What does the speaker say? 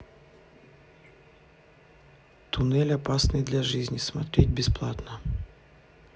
туннель опасный для жизни смотреть бесплатно